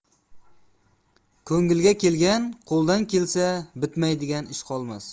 ko'ngilga kelgan qo'ldan kelsa bitmaydigan ish qolmas